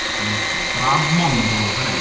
Fucking hope so. Brad Mondo fan hyn.